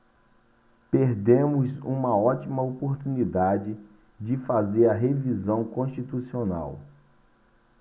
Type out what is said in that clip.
perdemos uma ótima oportunidade de fazer a revisão constitucional